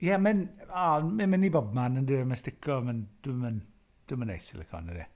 Ie, mae'n o mae'n mynd i bob man, yn dyw e. Mae'n stico, mae'n... dyw e ddim, dyw e ddim yn neis silicone yn dydy.